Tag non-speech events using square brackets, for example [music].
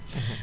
[hesitation] [hesitation]